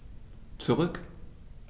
Zurück.